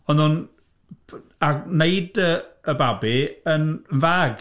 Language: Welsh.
O'n nhw'n p- wneud y babi yn fag.